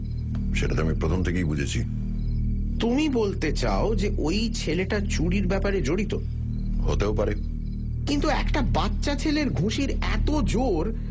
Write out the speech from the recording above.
সেটা তো আমি প্রথম থেকেই বুঝেছি তুমি বলতে চাও যে ওই ছেলেটা চুরির ব্যাপারে জড়িত হতেও পারে কিন্তু একটা বাচ্চা ছেলের ঘুসির এত জোর